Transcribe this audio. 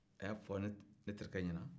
a y'a fɔ ne terikɛ ɲɛna